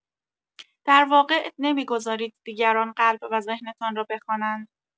در واقع نمی‌گذارید دیگران قلب و ذهنتان را بخوانند.